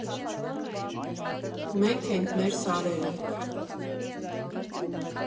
Մենք ենք, մեր սարերը։